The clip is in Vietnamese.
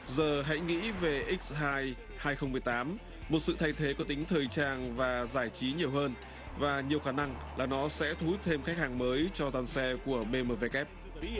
giờ hãy nghĩ về ích hai hai không mười tám một sự thay thế có tính thời trang và giải trí nhiều hơn và nhiều khả năng là nó sẽ thu hút thêm khách hàng mới cho dòng xe của bê mờ vê kép